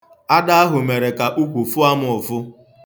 Ada ahụ mere ka ukwu fụọ m ụfụ.